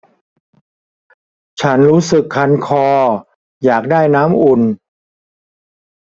ฉันรู้สึกคันคออยากได้น้ำอุ่น